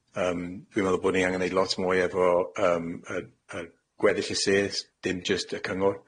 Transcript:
Yym, dwi'n meddwl bod ni angen neud lot mwy efo yym y y gweddill y sirs, dim jyst y cyngor